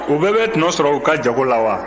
u bɛɛ bɛ tɔnɔ sɔrɔ u ka jago la wa